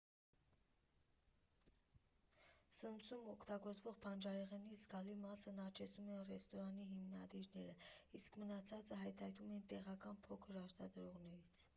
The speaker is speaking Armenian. Սնունդում օգտագործվող բանջարեղենի զգալի մասն աճեցնում են ռեստորանի հիմնադիրները, իսկ մնացածը հայթայթում են տեղական փոքր արտադրողներից։